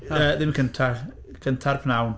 Na, ddim y cynta. Cynta'r pnawn.